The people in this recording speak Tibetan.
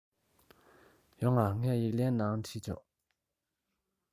ཡོང ང ངས ཡིག ལན ནང བྲིས ཆོག